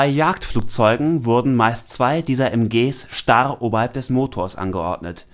Jagdflugzeugen wurden meist zwei dieser MG starr oberhalb des Motors angeordnet